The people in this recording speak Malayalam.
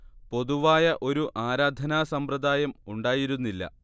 പൊതുവായ ഒരു ആരാധനാ സമ്പ്രദായം ഉണ്ടായിരുന്നില്ല